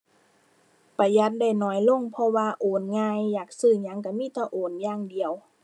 ประหยัดได้น้อยลง เพราะว่าโอนง่าย อยากซื้อหยังก็มีแต่โอนอย่างเดียว